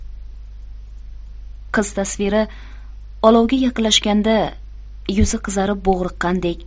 qiz tasviri olovga yaqinlashganda yuzi qizarib bo'g'riqqandek